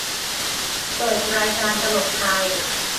เปิดรายการตลกไทย